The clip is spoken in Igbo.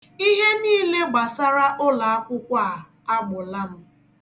Ihe niile gbasara ụlọakwụkwọ a agbụla m